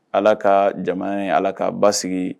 Ala ka jamana in Ala k'a basigi